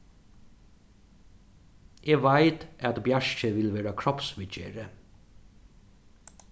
eg veit at bjarki vil verða kropsviðgeri